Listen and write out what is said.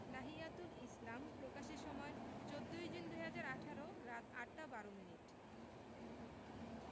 নাহিয়াতুল ইসলাম প্রকাশের সময় ১৪ই জুন ২০১৮ রাত ৮টা ১২ মিনিট